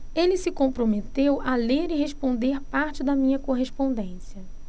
ele se comprometeu a ler e responder parte da minha correspondência